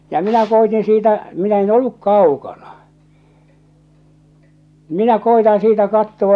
ja minä koetin siitä minä en ollut kaukana minä koetan siitä katsoa